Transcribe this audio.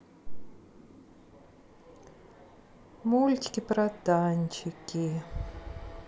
мультики про танчики